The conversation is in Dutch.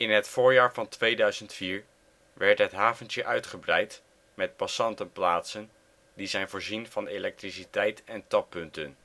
het voorjaar van 2004 werd het haventje uitgebreid met passantenplaatsen die zijn voorzien van elektriciteit en tappunten